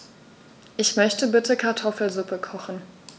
Ich möchte bitte Kartoffelsuppe kochen.